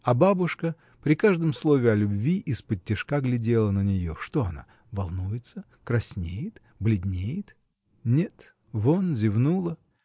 А бабушка, при каждом слове о любви, исподтишка глядела на нее — что она: волнуется, краснеет, бледнеет? Нет: вон зевнула.